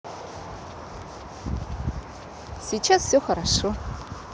сейчас все хорошо